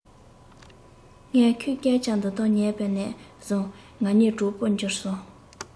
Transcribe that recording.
ངས ཁོའི སྐད ཆ འདི དག ཉན པ ནས བཟུང ང གཉིས གྲོགས པོར གྱུར སོང